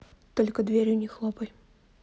только дверью не хлопай